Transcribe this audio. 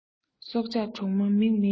སྲོག ཆགས གྲོག མ མིག མེད ཀྱང